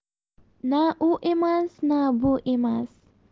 na u emas na bu emas